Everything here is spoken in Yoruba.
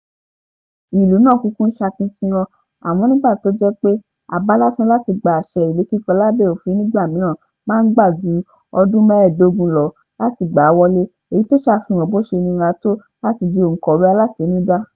Ìlù náà kúkú ń sakitiyan àmọ́ nígbà tó jẹ́ pé àbá lásán làtì gba àṣẹ ìwé kíkọ lábẹ́ òfin nígbà míràn máa ń gbà ju ọdún 15 lọ láti gbà wọlé, èyí tó ṣàfihàn bó ṣe nira tó láti di onkọ̀wé alátinúdá.